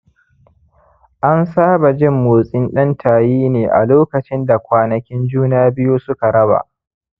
an saba jin motsin ɗan-tayi ne a lokacin da kwanakin juna-biyu su ka raba